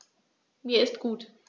Mir ist gut.